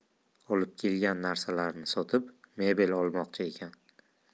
olib kelgan narsalarini sotib mebel olmoqchi ekan